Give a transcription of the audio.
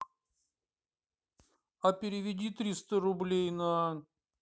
а переведи триста рублей на